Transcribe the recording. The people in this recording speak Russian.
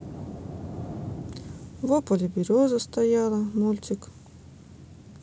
во поле береза стояла мультик